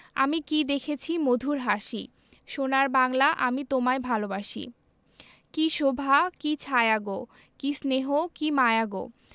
আমি কী দেখেছি মধুর হাসি সোনার বাংলা আমি তোমায় ভালোবাসি কী শোভা কী ছায়া গো কী স্নেহ কী মায়া গো